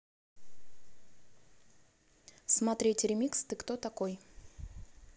смотреть ремикс ты кто такой